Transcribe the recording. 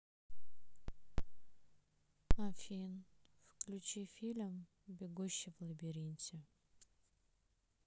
афин включи фильм бегущий в лабиринте